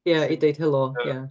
Ia, i deud helo ia.